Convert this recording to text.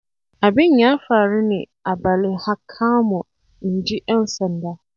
Abin ya faru ne a Ballyhackamore, inji 'yan sanda.